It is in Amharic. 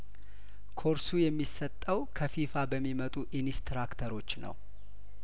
ኮርሱ የሚሰጠው ከፊፋ በሚመጡ ኢንስ ትራክተሮች ነው